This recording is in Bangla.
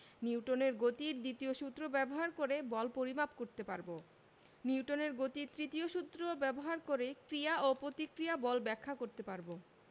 নিউটনের গতির দ্বিতীয় সূত্র ব্যবহার করে বল পরিমাপ করতে পারব নিউটনের গতির তৃতীয় সূত্র ব্যবহার করে ক্রিয়া ও প্রতিক্রিয়া বল ব্যাখ্যা করতে পারব